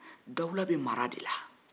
dawula bɛ mara de la